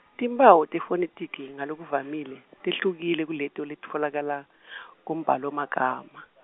timphawu tefonethiki ngalokuvamile, tehlukile kuleto letitfolakala , kumbhalomagama.